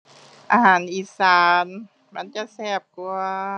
อาหารอีสาน มันจะแซ่บกว่า